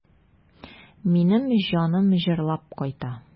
Минем җаным җырлап кайта.